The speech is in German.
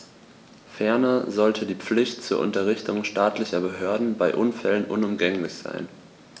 Ferner sollte die Pflicht zur Unterrichtung staatlicher Behörden bei Unfällen unumgänglich sein.